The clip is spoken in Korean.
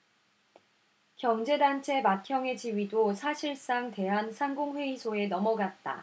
경제단체 맏형의 지위도 사실상 대한상공회의소에 넘어갔다